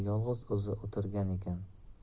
yolg'iz o'zi o'tirgan ekan